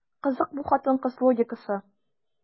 Кызык бу хатын-кыз логикасы.